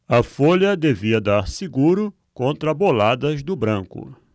a folha devia dar seguro contra boladas do branco